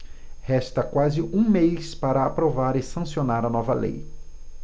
resta quase um mês para aprovar e sancionar a nova lei